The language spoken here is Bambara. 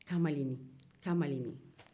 kamalennin kamalennin